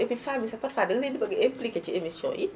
et puis femmes yi sax parfois danga leen di bëgg a impliqué ci émissions yi